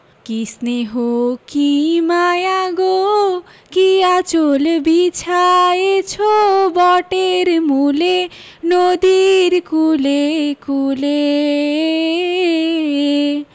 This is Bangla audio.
কী স্নেহ কী মায়া গো কী আঁচল বিছায়েছ বটের মূলে নদীর কূলে কূলে